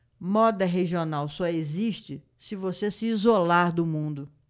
moda regional só existe se você se isolar do mundo